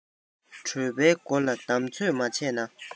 གྲོད པའི སྒོ ལ བསྡམ ཚོད མ བྱས ན